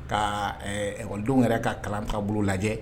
Ka don yɛrɛ ka kalan ka bolo lajɛ